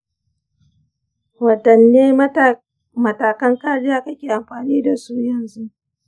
wadanne matakan kariya kake amfani da su a yanzu?